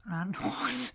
Na nos!